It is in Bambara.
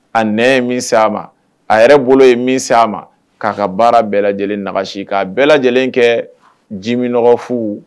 A nɛn ye min s'a ma, a yɛrɛ bolo ye min s'a ma, k'a ka baara bɛɛ lajɛlen nagasi , k'a bɛɛ lajɛlen kɛ jiminɔgɔ fu.